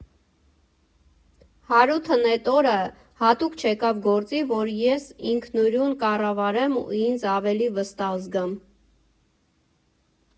֊ Հարութն էդ օրը հատուկ չեկավ գործի, որ ես ինքնուրույն կառավարեմ ու ինձ ավելի վստահ զգամ։